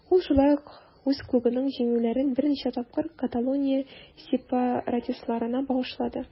Ул шулай ук үз клубының җиңүләрен берничә тапкыр Каталония сепаратистларына багышлады.